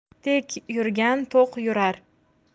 tek yurgan to'q yurar